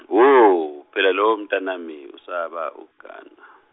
wo, phela lowo mntanami, usaba ukugana.